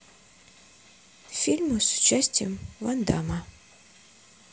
фильмы с участием ван дамма